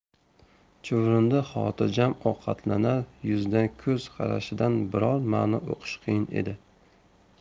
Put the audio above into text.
chuvrindi xotirjam ovqatlanar yuzidan ko'z qarashidan biror ma'no uqish qiyin edi